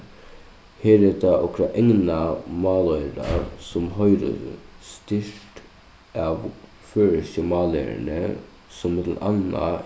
her er tað okra egna máloyra sum hoyrir stirt av føroyski mállæruni sum millum annað